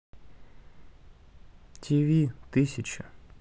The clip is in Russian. ти ви тысяча